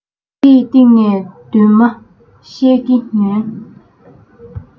དེ ཡི སྟེང ནས འདུན མ བཤད ཀྱི ཉོན